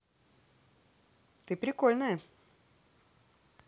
ты прикольная